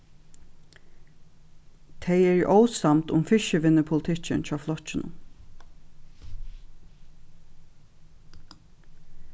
tey eru ósamd um fiskivinnupolitikkin hjá flokkinum